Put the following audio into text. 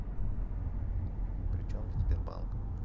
причем тут сбербанк